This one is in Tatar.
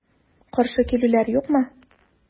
Каршы килүләр юкмы?